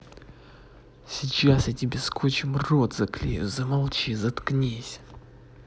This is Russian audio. сейчас я тебе скотчем рот заклею замолчи заткнись